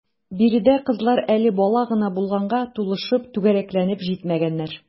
Биредәге кызлар әле бала гына булганга, тулышып, түгәрәкләнеп җитмәгәннәр.